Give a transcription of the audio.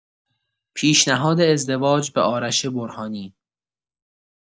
پیشنهاد ازدواج به آرش برهانی!